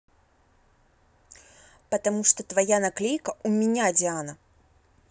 потому что твоя наклейка у меня диана